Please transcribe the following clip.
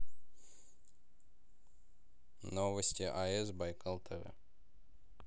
новости аэс байкал тв